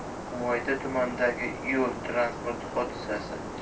buvayda tumanidagi yo'l transport hodisasi